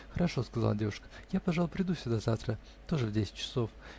-- Хорошо, -- сказала девушка, -- я, пожалуй, приду сюда завтра, тоже в десять часов.